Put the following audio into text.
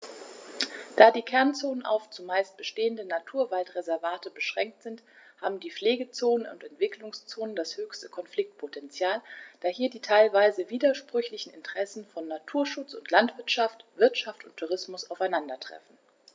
Da die Kernzonen auf – zumeist bestehende – Naturwaldreservate beschränkt sind, haben die Pflegezonen und Entwicklungszonen das höchste Konfliktpotential, da hier die teilweise widersprüchlichen Interessen von Naturschutz und Landwirtschaft, Wirtschaft und Tourismus aufeinandertreffen.